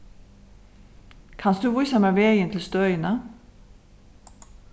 kanst tú vísa mær vegin til støðina